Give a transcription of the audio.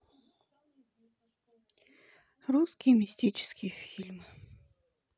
русские мистические фильмы